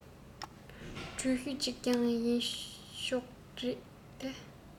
འགྲུལ བཞུད ཅིག ཀྱང ཡིན ཆོག རེད དེ